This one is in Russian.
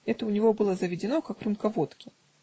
Это у него было заведено, как рюмка водки.